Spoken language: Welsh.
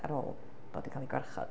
Ar ôl bod yn cael eu gwarchod.